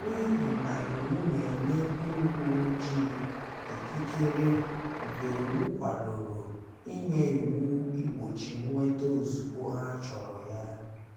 n'ihi na iwu na-enye ndị uwe ojii ikikere nke iwu kwadoro inye iwu igbochi nnweta ozugbo ha chọrọ ya.